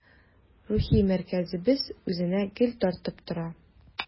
Рухи мәркәзебез үзенә гел тартып тора.